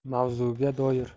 mavzuga doir